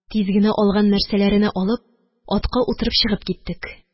Тиз генә алган нәрсәләрене алып, атка утырып чыгып киттек.